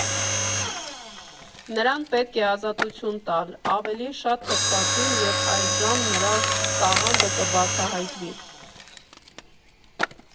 Նրան պետք է ազատություն տալ, ավելի շատ թթվածին, և այդժամ նրա տաղանդը կբացահայտվի։